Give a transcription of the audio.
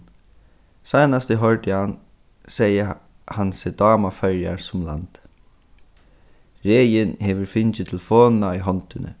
seinast eg hoyrdi hann segði hann seg dáma føroyar sum land regin hevur fingið telefonina í hondini